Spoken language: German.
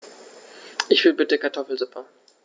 Ich will bitte Kartoffelsuppe.